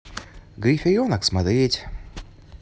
гриференок смотреть